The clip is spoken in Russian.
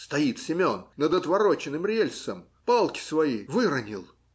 Стоит Семен над отвороченным рельсом, палки свои выронил.